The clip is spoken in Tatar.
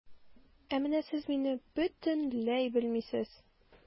Ә менә сез мине бөтенләй белмисез.